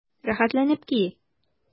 Рәхәтләнеп ки!